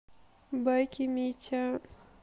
байки митяя